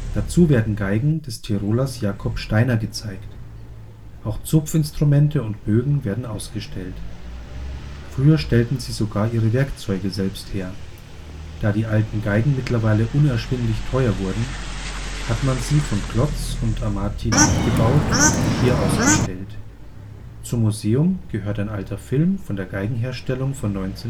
Dazu werden Geigen des Tirolers Jacob Stainer gezeigt. Auch Zupfinstrumente und Bögen werden ausgestellt. Früher stellten sie sogar ihre Werkzeuge selbst her. Da die alten Geigen mittlerweile unerschwinglich teuer wurden, hat man sie von Klotz und Amati nachgebaut und hier ausgestellt. Zum Museum gehört ein alter Film von der Geigenherstellung von 1936